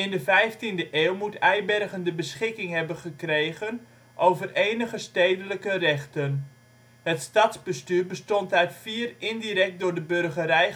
de vijftiende eeuw moet Eibergen de beschikking hebben gekregen over enige stedelijke rechten. Het stadsbestuur bestond uit vier indirect door de burgerij